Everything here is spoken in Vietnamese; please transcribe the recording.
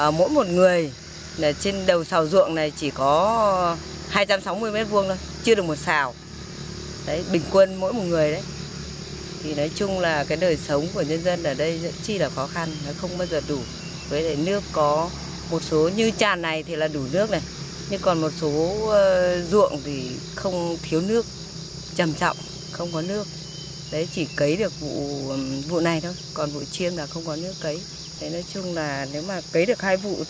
ở mỗi một người là trên đầu sào ruộng này chỉ có hai trăm sáu mươi mét vuông thôi chưa được một sào đấy bình quân mỗi người đấy thì nói chung là cái đời sống của nhân dân ở đây rất chi là khó khăn và không bao giờ đủ với lại nước có một số như tràn này thì là đủ nước này nhưng còn một số ruộng thì không thiếu nước trầm trọng không có nước đấy chỉ cấy được vụ vụ này thôi còn vụ chiêm là không có nước cấy đấy nói chung là nếu mà cấy được hai vụ